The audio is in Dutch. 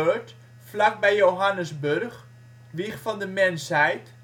Earth vlakbij Johannesburg (Wieg van de mensheid